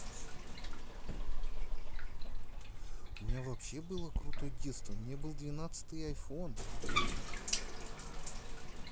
у меня вообще было крутое детство мне был двенадцатый iphone